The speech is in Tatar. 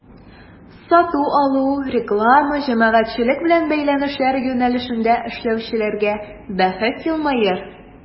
Сату-алу, реклама, җәмәгатьчелек белән бәйләнешләр юнәлешендә эшләүчеләргә бәхет елмаер.